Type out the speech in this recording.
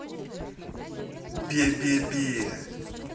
бебебе